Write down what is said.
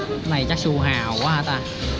cái này chắc su hào